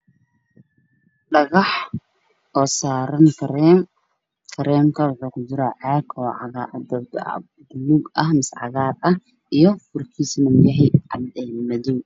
Dhagax oo saaran kareenka wuxuu ku jiraa oo cagaar ah furkiisana waa madow